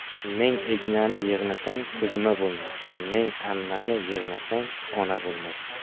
ming ignani yig'nasang tugma bo'lmas ming ammani yig'nasang ona bo'lmas